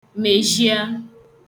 mèjhia